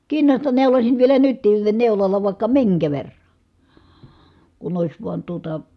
kinnasta neuloisin vielä nytkin neulalla vaikka minkä verran kun olisi vain tuota